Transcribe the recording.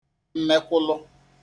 mmekwụlụ